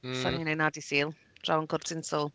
<PIIHmm... so ni'n wneud 'na Dydd Sul draw'n .